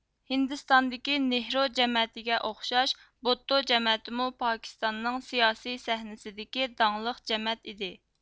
ھىندىستاندىكى نېھرۇ جەمەتىگە ئوخشاش بوتتو جەمەتىمۇ پاكىستاننىڭ سىياسىي سەھنىسىدىكى داڭلىق جەمەت ئىدى